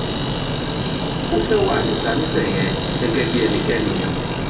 Ò fẹ́ wà ní ìta níb̀ yẹn, gẹ́gẹ́ bí ẹnikẹ́ni."